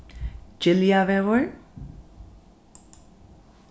giljavegur